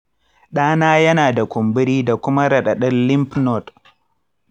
ɗana yana da kumburi da kuma raɗaɗin lymph node.